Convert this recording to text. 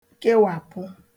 kewàpụ